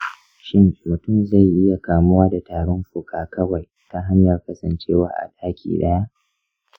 shin mutum zai iya kamuwa da tarin fuka kawai ta hanyar kasancewa a daki ɗaya?